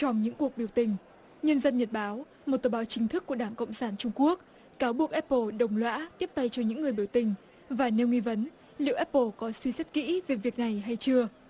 cho những cuộc biểu tình nhân dân nhật báo một tờ báo chính thức của đảng cộng sản trung quốc cáo buộc ép pồ đồng lõa tiếp tay cho những người biểu tình và nêu nghi vấn liệu ép pồ có suy xét kỹ về việc này hay chưa